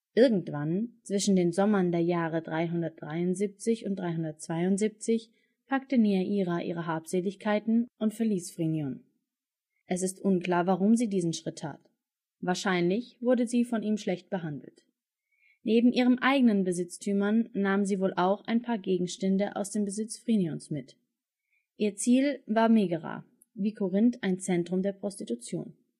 Irgendwann zwischen den Sommern der Jahre 373 und 372 packte Neaira ihre Habseligkeiten und verließ Phrynion. Es ist unklar, warum sie diesen Schritt tat; wahrscheinlich wurde sie von ihm schlecht behandelt. Neben ihren eigenen Besitztümern nahm sie wohl auch ein paar Gegenstände aus dem Besitz Phrynions mit. Ihr Ziel war Megara, wie Korinth ein Zentrum der Prostitution